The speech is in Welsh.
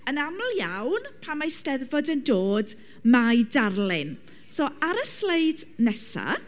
Yn aml iawn, pan mae Steddfod yn dod, mae darlun, so ar y sleid nesa...